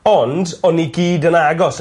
ond o'n ni gyd yn agos...